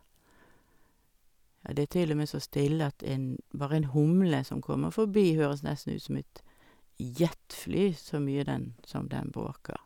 Ja, det er til og med så stille at en bare en humle som kommer forbi, høres nesten ut som et jetfly så mye den som den bråker.